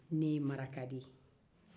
ne ye maraka de ye